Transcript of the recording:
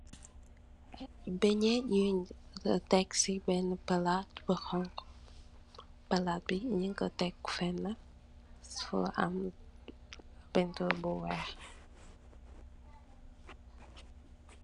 Behnjeh yungh tek cii behnah plaat bu honhu, plaat bii njung kor tek fehnah fu am peintur bu wekh.